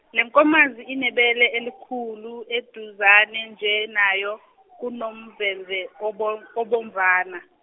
lenkomazi inebele elikhulu, eduzane nje nayo, kunomvemve obo- obomvana.